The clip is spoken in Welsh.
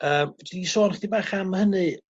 yy fedri 'di sôn chydih bach am hynny